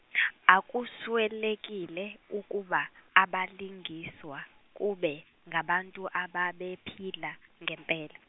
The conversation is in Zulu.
akuswelekile ukuba abalingiswa kube ngabantu ababephila ngempela.